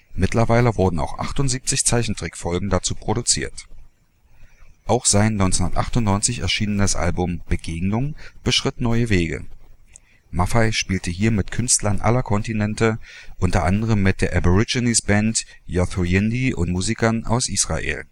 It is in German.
Mittlerweile wurden auch 78 Zeichentrickfolgen dazu produziert. Auch sein 1998 erschienenes Album Begegnungen beschritt neue Wege: Maffay spielte hier mit Künstlern aller Kontinente; unter anderem mit der Aborigines-Band Yothu Yindi und Musikern aus Israel